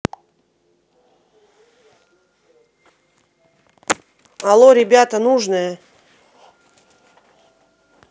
алло ребята нужное